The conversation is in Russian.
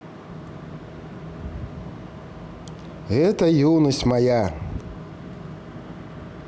это юность моя